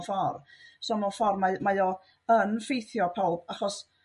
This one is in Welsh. Mewn ffor' so mewn ffor' mae mae o yn 'ffeithio pawb achos